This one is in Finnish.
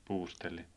Puustelli